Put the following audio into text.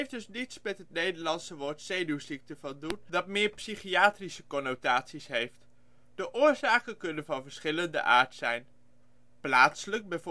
dus niets met het nederlandse woord ' zenuwziekte ' van doen, dat meer psychiatrische connotaties heeft. De oorzaken kunnen van verschillende aard zijn. Plaatselijk, b.v.